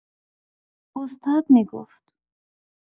استاد می‌گفت.